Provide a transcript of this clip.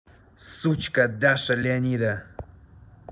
сучка даша леонида